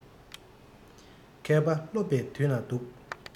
མཁས པ སློབ པའི དུས ན སྡུག